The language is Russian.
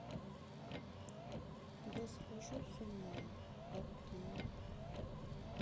я схожу с ума а ты